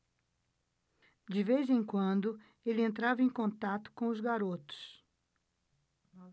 de vez em quando ele entrava em contato com os garotos